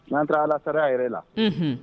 N'anti alasa yɛrɛ la